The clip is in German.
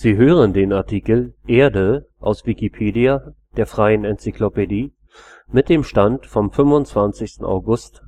hören den Artikel Erde, aus Wikipedia, der freien Enzyklopädie. Mit dem Stand vom Der